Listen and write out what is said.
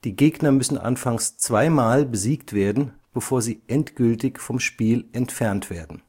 Gegner müssen anfangs zweimal besiegt werden, bevor sie endgültig vom Spiel entfernt werden